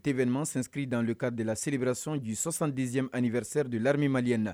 événement s'inscrit dans le cas de la célébration du 62 anniversaire de l'armée malienne